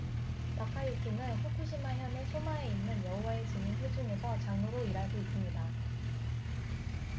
다카유키는 후쿠시마 현의 소마에 있는 여호와의 증인 회중에서 장로로 일하고 있습니다